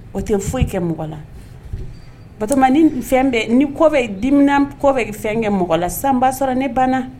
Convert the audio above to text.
O tɛ foyi kɛ mɔgɔ la ba fɛn bɛɛ ni kɔ kɔ bɛ fɛn kɛ mɔgɔ la sanbaa sɔrɔ ne banna